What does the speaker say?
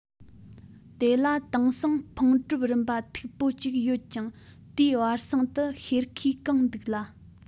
དེ ལ དྭངས སིངས ཕུང གྲུབ རིམ པ མཐུག པོ གཅིག ཡོད ཅིང དེའི བར གསེང དུ གཤེར ཁུས བཀང འདུག ལ